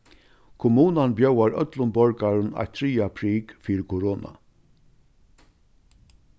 kommunan bjóðar øllum borgarum eitt triðja prik fyri korona